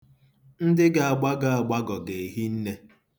Ndị ga-agbagọ agbagọ ga-ehi nne.